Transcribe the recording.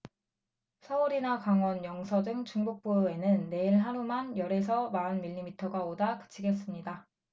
서울이나 강원 영서 등 중북부에는 내일 하루만 열 에서 마흔 밀리미터가 오다 그치겠습니다